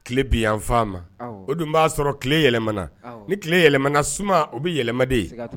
Tile biyan ma o dun b'a sɔrɔ tile yɛlɛmana ni tile yɛlɛmana sumaman o bɛ yɛlɛden